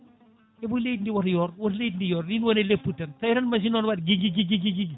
ebo leydi ndi oto yoor oto leydi ndi yoor ndi wone leppude tan twi tan machine o ne waɗa jiigui jigui jigui